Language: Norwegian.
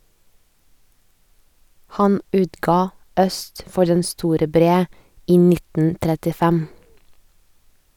Han utga "Øst for den store bre" i 1935.